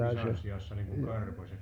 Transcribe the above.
visan sijassa niin kuin karposet